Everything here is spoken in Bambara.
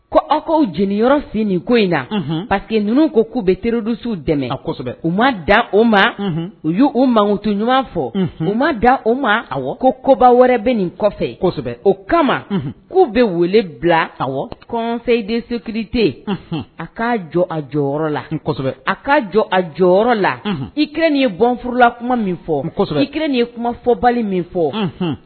Ko aw ka jyɔrɔ f nin ko in na pa que ninnu ko k'u bɛ terirodusu dɛmɛsɛbɛ u ma dan o ma u y'u uu matu ɲuman fɔ u ma da o ma aw ko koba wɛrɛ bɛ nin kɔfɛsɛbɛ o kama k'u bɛ wele bila a kɔn de skirite a k kaa jɔ a jɔyɔrɔ la a k kaa jɔ a jɔyɔrɔ la ir nin ye bɔnfla kuma min fɔ ir nin ye kuma fɔbali min fɔ